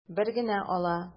Бер генә ала.